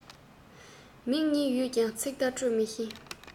མིག གཉིས ཡོད ཀྱང ཚིག བརྡ སྤྲོད མི ཤེས